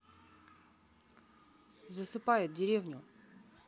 засыпает деревню